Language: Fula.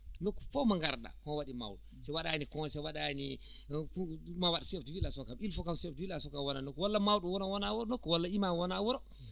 nokku fof mo ngarɗaa ko waɗi mawɗo so waɗaani conseillé so waɗanai maa waɗ chef de village o kam il faut ko village o kam waɗa ɗum walla mawɗa wuro wona oon nokku walla imam wona oon wuro